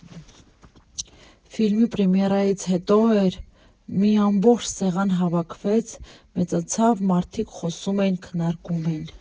Ֆիլմի պրեմիերայից հետո էր, մի ամբողջ սեղան հավաքվեց, մեծացավ, մարդիկ խոսում են, քննարկում են։